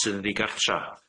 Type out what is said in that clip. sydd yn ddigartra